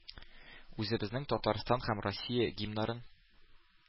Үзебезнең татарстан һәм россия гимннарын